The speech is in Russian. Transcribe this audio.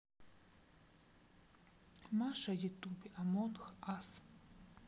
маша ютубе амонг ас